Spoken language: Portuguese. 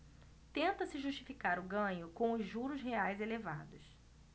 tenta-se justificar o ganho com os juros reais elevados